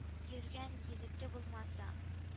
Йөргән егете булмаса